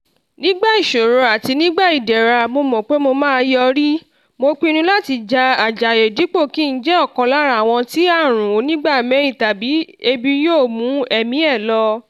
Nígbà ìṣòro àti nígbà ìdẹ̀ra, mo mọ̀ pé mo máà yọrí, mo pinnu láti ja àjàyè dípò kí n jẹ́ ọ̀kan lára àwọn tí àrun onígbá-méì tàbí ebi yóò mú ẹ̀mí ẹ̀ lọ.